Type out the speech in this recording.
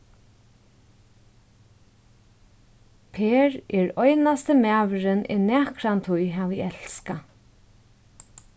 per er einasti maðurin eg nakrantíð havi elskað